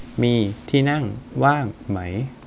มีที่นั่งว่างไหม